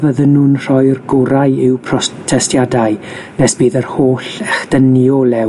fydden nhw'n rhoi'r gorau i'w protestiadau nes bydd yr holl echdynnu olew